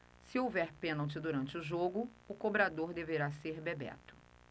se houver pênalti durante o jogo o cobrador deverá ser bebeto